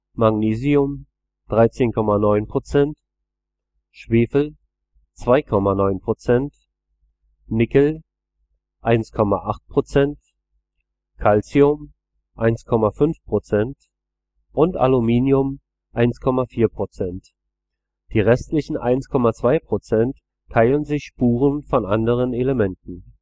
Magnesium (13,9 %), Schwefel (2,9 %), Nickel (1,8 %), Calcium (1,5 %) und Aluminium (1,4 %). Die restlichen 1,2 % teilen sich Spuren von anderen Elementen